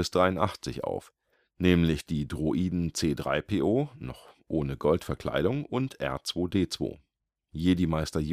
1983 auf, nämlich die Droiden C-3PO (noch ohne Goldverkleidung) und R2-D2, Jedi-Meister